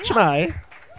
Shwmae?